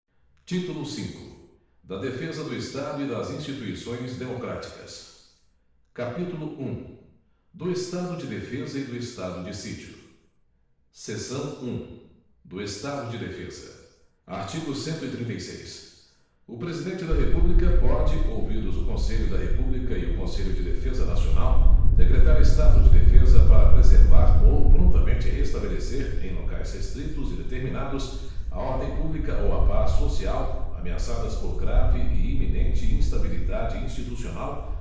título cinco da defesa do estado e das instituições democráticas capítulo um do estado de defesa e do estado de sítio seção um do estado de defesa artigo cento e trinta e seis o presidente da república pode ouvidos o conselho da república e o conselho de defesa nacional decretar estado de defesa para preservar ou prontamente restabelecer em locais restritos e determinados a ordem pública ou a paz social ameaçadas por grave e iminente instabilidade institucional